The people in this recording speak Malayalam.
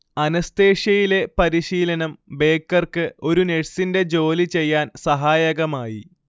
അനസ്തേഷ്യയിലെ പരിശീലനം ബേക്കർക്ക് ഒരു നഴ്‌സിന്റെ ജോലി ചെയ്യാൻ സഹായകമായി